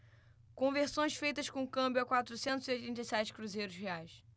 conversões feitas com câmbio a quatrocentos e oitenta e sete cruzeiros reais